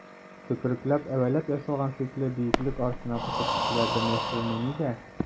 Төкерекләп-әвәләп ясалган шикле бөеклек артына посып кешеләрдән яшеренү нигә?